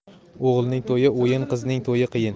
o'g'ilning to'yi o'yin qizning to'yi qiyin